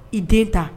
I den ta